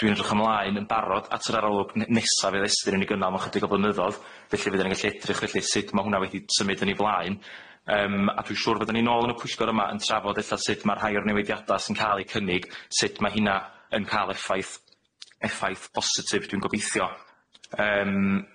Dwi'n edrych ymlaen yn barod at yr arolwg n- nesa fydd Estyn'n ei gynnal mewn 'chydig o blynyddodd felly fyddan ni'n gallu edrych felly sut ma' hwnna wedi symud yn ei flaen, yym a dwi'n siŵr byddan ni'n nôl yn y pwllgor yma yn trafod ella sut ma' rhai o'r newidiada sy'n ca'l eu cynnig, sut ma' hynna yn ca'l effaith, effaith bositif dwi'n gobithio.